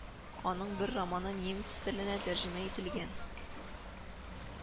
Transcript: Аның бер романы немец теленә тәрҗемә ителгән